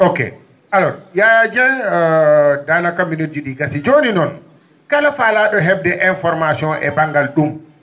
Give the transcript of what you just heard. ok alors Yaya Dieng danaka minnuji ?i gassi jooni noon kala fala?o hebde information e banggal ?um